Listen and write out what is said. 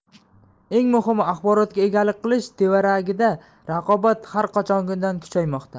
eng muhimi axborotga egalik qilish tevaragida raqobat har qachongidan kuchaymoqda